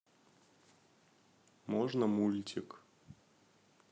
можно мультик